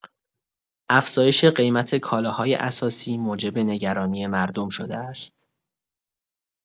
افزایش قیمت کالاهای اساسی موجب نگرانی مردم شده است.